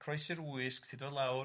croesi'r wysg ti'n dod lawr